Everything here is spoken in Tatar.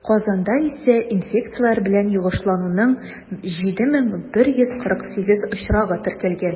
Казанда исә инфекцияләр белән йогышлануның 7148 очрагы теркәлгән.